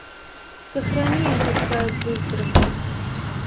сохрани этот сайт в избранном